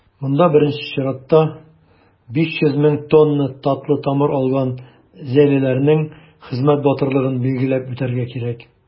Монда, беренче чиратта, 500 мең тонна татлы тамыр алган зәйлеләрнең хезмәт батырлыгын билгеләп үтәргә кирәк.